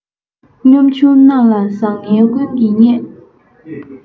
གཉོམ ཆུང རྣམས ལ བཟང ངན ཀུན གྱིས བརྙས